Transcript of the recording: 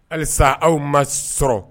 Hali sisan aw ma sɔrɔ